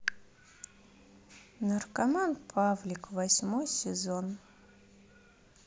наркоман павлик восьмой сезон